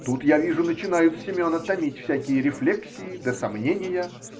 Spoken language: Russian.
Тут, я вижу, начинают Семена томить всякие рефлексии да сомнения.